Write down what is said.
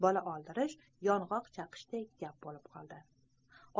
bola oldirish yong'oq chaqishday gap bo'lib qoldi